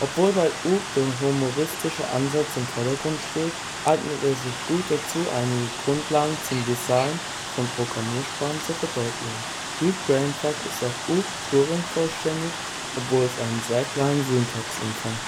Obwohl bei Ook! der humoristische Ansatz im Vordergrund steht, eignet es sich gut dazu einige Grundlagen zum Design von Programmiersprachen zu verdeutlichen. Wie Brainfuck ist auch Ook! Turing-vollständig, obwohl es einen sehr kleinen Syntaxumfang